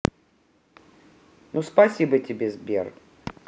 ну спасибо тебе сбер